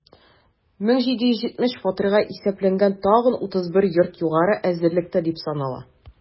1770 фатирга исәпләнгән тагын 31 йорт югары әзерлектә дип санала.